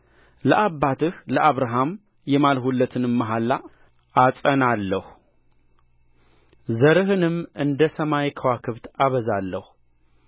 ለአባትህ ለአብርሃም የማልሁለትንም መሐላ አጸናለሁ ዘርህንም እንደ ሰማይ ከዋክብት አበዛለሁ